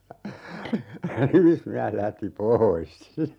nimismies lähti pois